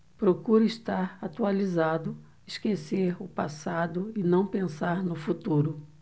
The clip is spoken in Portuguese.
procuro estar atualizado esquecer o passado e não pensar no futuro